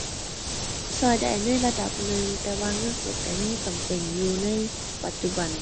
ช่วยได้ในระดับหนึ่งแต่ว่าเงินสดช่วยยังจำเป็นอยู่ในปัจจุบัน